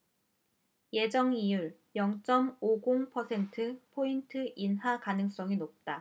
예정이율 영 쩜 오 공 퍼센트포인트 인하 가능성이 높다